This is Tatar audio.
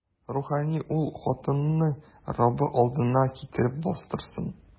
Рухани ул хатынны Раббы алдына китереп бастырсын.